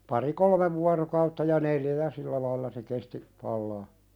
pari kolme vuorokautta ja neljä ja sillä lailla se kesti palaa